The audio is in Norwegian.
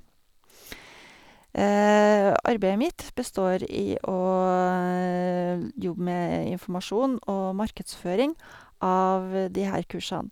Arbeidet mitt består i å l jobbe med informasjon og markedsføring av de her kursene.